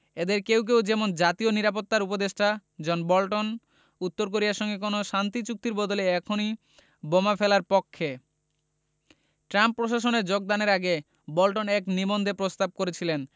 এঁদের কেউ কেউ যেমন জাতীয় নিরাপত্তা উপদেষ্টা জন বোল্টন উত্তর কোরিয়ার সঙ্গে কোনো শান্তি চুক্তির বদলে এখনই বোমা ফেলার পক্ষে ট্রাম্প প্রশাসনে যোগদানের আগে বোল্টন এক নিবন্ধে প্রস্তাব করেছিলেন